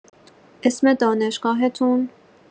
اسم دانشگاهتون؟